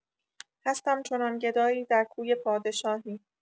هستم چنان گدایی در کوی پادشاهی